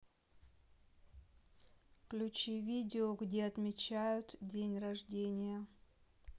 включи видео где отмечают день рождения